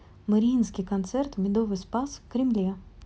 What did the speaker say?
марийский концерт медовый спас в кремле